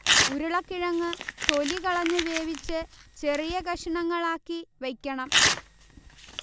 ഉരുളക്കിഴങ്ങു തൊലി കളഞ്ഞു വേവിച്ചു ചെറിയ കഷണങ്ങളാക്കി വയ്ക്കണം